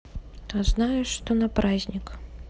а знаешь что на праздник